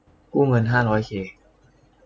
กู้เงินห้าร้อยเค